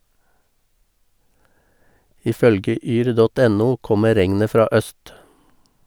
I følge yr.no kommer regnet fra øst.